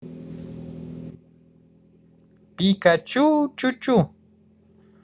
пикачу чу чу